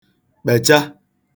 kpècha